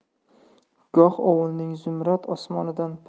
goh ovulning zumrad osmonidan